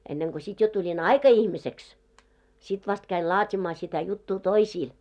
ennen kuin sitten jo tulin aikaihmiseksi sitten vasta kävin laatimaan sitä juttua toisille